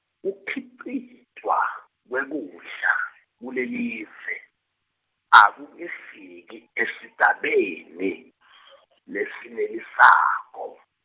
kukhicitwa, kwekudla, kulelive, akukefiki, esigabeni , lesenelisako.